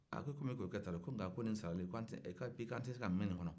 a ko kɔmi i kɔrɔkɛ ta don nka nin sarali an tɛ se ka mɛn nin kɔnɔ